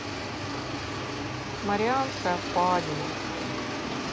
марианская впадина